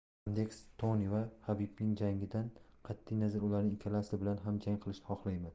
yandex toni va habibning jangidan qat'i nazar ularning ikkalasi bilan ham jang qilishni xohlayman